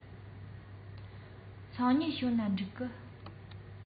སང ཉིན བྱུང ན འགྲིག ག